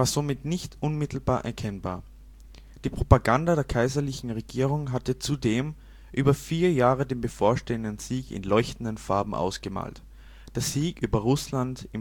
somit nicht unmittelbar erkennbar. Die Propaganda der kaiserlichen Regierung hatte zudem über vier Jahre den bevorstehenden Sieg in leuchtenden Farben ausgemalt. Der Sieg über Russland